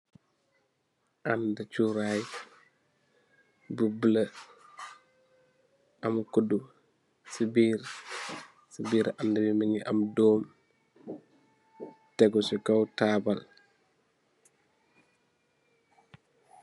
Andu churaay bu bulo, am kudu ci biir. Ci biir andu bi mungi am doom, tègu ci kaw taabl.